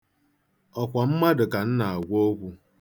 Ọ kwa mmadụ ka m na-agwa okwu?